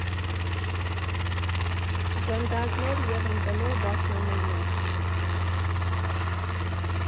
Գնդակներ և ընկնող դաշնամուրներ։